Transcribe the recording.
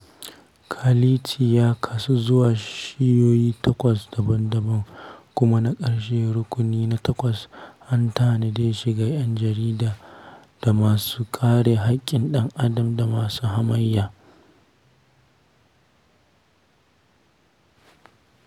Kality ya kasu zuwa shiyyoyi takwas daban-daban, kuma na ƙarshe — Rukuni na takwas — an tanade shi ga ‘yan jarida, da masu kare haƙƙin ɗan Adam, da masu hamayya.